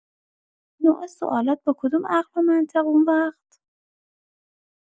نوع سوالات با کدوم عقل و منطق اونوقت؟